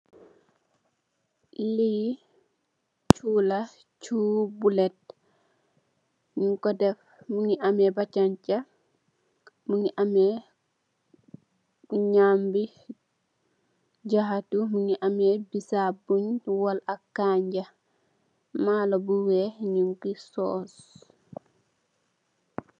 Lii chuu la, chuu bulet njung kor deff, mungy ameh batanseh, mungy ameh njambi, jahatu, mungy ameh bisap bungh wohl ak kanjah, maarloh bu wekh, njung cii sauce.